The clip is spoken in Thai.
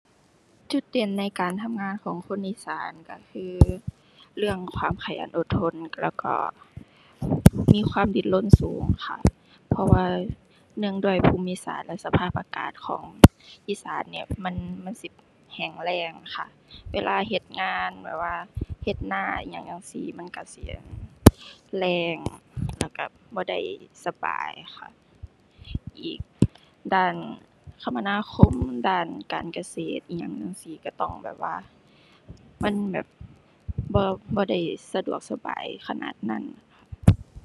จุดเด่นในการทำงานของคนอีสานก็คือเรื่องความขยันอดทนแล้วก็มีความดิ้นรนสูงค่ะ เพราะว่าหนึ่งด้วยภูมิศาสตร์และสภาพอากาศของอีสานเนี่ยมัน มันสิแห้งแล้งค่ะ เวลาเฮ็ดงานแบบว่าเฮ็ดนาอิหยังจั่งซี้มันก็สิ อั่น แล้งแล้วก็บ่ได้สบายค่ะ อีกด้านคมนาคม ด้านการเกษตรอิหยังจั่งซี้ก็ต้องแบบว่ามันแบบ บ่ บ่ได้สะดวกสบายขนาดนั้น